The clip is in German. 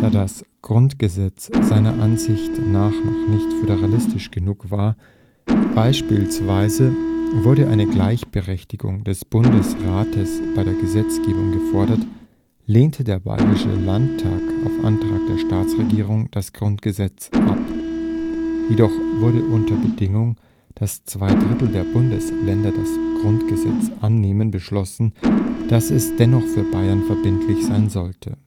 das Grundgesetz seiner Ansicht nach immer noch nicht föderalistisch genug war, beispielsweise wurde eine Gleichberechtigung des Bundesrates bei der Gesetzgebung gefordert, lehnte der bayerische Landtag auf Antrag der Staatsregierung das Grundgesetz ab. Jedoch wurde unter der Bedingung, dass zwei Drittel der Bundesländer das Grundgesetz annehmen, beschlossen, dass es dennoch für Bayern verbindlich sein sollte